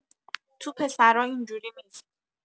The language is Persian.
تو پسرا اینجوری نیست